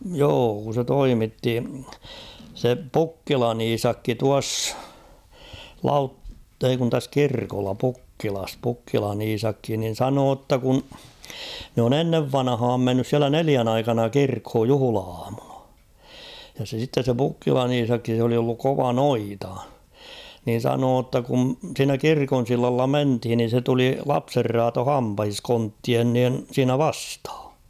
joo kun se toimitti se Pukkilan Iisakki tuossa - ei kun tässä kirkolla Pukkilassa Pukkilan Iisakki niin sanoi jotta kun ne on ennen vanhaan mennyt siellä neljän aikana kirkkoon juhla-aamuna ja se sitten se Pukkilan Iisakki se oli ollut kova noita niin sanoi jotta kun siinä kirkon sillalla mentiin niin se tuli lapsenraato hampaissa konttien niin siinä vastaan